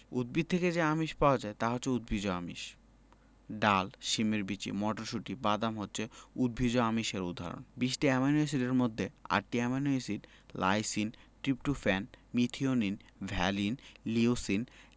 উদ্ভিদ থেকে যে আমিষ পাওয়া যায় তা উদ্ভিজ্জ আমিষ ডাল শিমের বিচি মটরশুঁটি বাদাম হচ্ছে উদ্ভিজ্জ আমিষের উদাহরণ ২০টি অ্যামাইনো এসিডের মধ্যে ৮টি amino acid lysine tryptophan methionine valine leucine